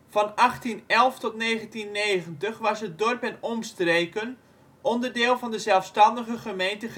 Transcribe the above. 1811 tot 1990 was het dorp en omstreken onderdeel van de zelfstandige gemeente